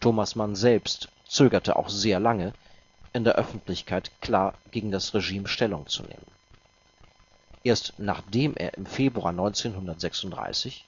Thomas Mann selbst zögerte auch sehr lange, in der Öffentlichkeit klar gegen das Regime Stellung zu nehmen. Erst nachdem er im Februar 1936